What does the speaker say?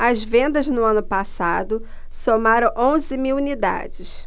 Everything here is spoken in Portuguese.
as vendas no ano passado somaram onze mil unidades